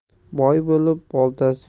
boy bo'lib boltasi